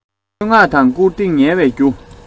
བསྟོད བསྔགས དང བཀུར བསྟི ངལ བའི རྒྱུ